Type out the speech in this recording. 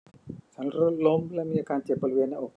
ฉันรถล้มและมีอาการเจ็บบริเวณหน้าอก